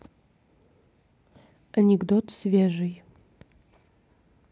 анекдот свежий